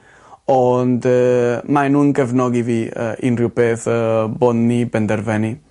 Ond yy mae nw'n gefnogi fi yy unrywbeth yy bo' ni penderfenu.